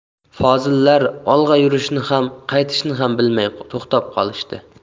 fozillar olg'a yurishni ham qaytishni ham bilmay to'xtab qolishdi